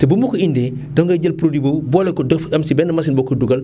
te bu ma la ko indee da ngay jël produit boobu boole ko def am si benn machine boo ko dugal